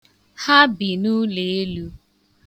Ha bi n'uleelu